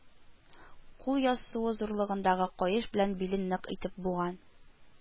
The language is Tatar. Кул яссуы зурлыгындагы каеш белән билен нык итеп буган